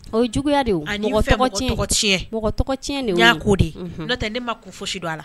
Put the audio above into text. O juguya de de ko de n tɛ ne ma fosi don a la